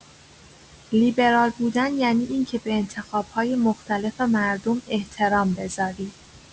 لیبرال بودن یعنی اینکه به انتخاب‌های مختلف مردم احترام بذاری.